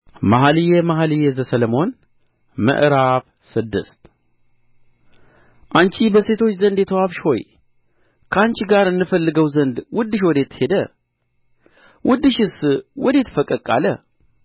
መኃልየ መኃልይ ዘሰሎሞን ምዕራፍ ስድስት አንቺ በሴቶች ዘንድ የተዋብሽ ሆይ ከአንቺ ጋር እንፈልገው ዘንድ ውድሽ ወዴት ሄደ ውድሽስ ወዴት ፈቀቅ አለ